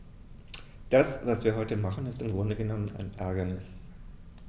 Das, was wir heute machen, ist im Grunde genommen ein Ärgernis.